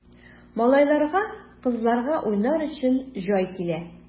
Малайларга, кызларга уйнар өчен җай килә!